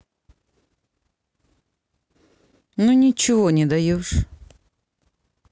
ну ничего не даешь